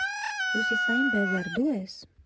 Հյուսիսային բևեռ, դու ե՞ս։